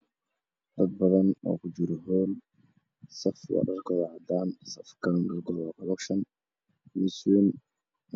Dad badan oo kujiro hool saf waa dharkooda cad safka kalena waa collection